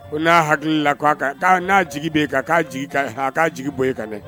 Ko n'a hakili la ko a ka, n'a jigi bɛ e kan , a ka jigi bɔ e kan.